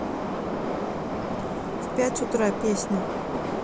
в пять утра песня